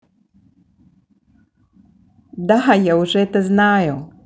да я уже это знаю